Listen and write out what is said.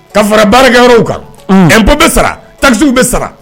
Ka fara baarakɛ yɔrɔ kan hp bɛ sara takisiw bɛ sara